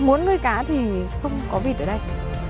muốn nuôi cá thì không có vịt ở đây